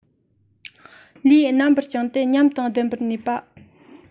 ལུས རྣམ པར བསྒྱིངས ཏེ ཉམས དང ལྡན པར གནས པ